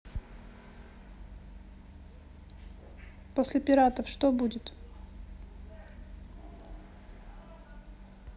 после пиратов что будет